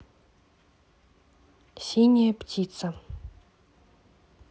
синяя птица